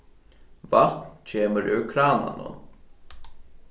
vatn kemur úr krananum